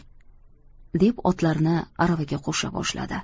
deb otlarini aravaga qo'sha boshladi